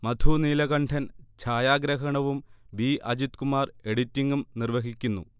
മധു നീലകണ്ഠൻ ഛായാഗ്രഹണവും ബി. അജിത്കുമാർ എഡിറ്റിങും നിർവഹിക്കുന്നു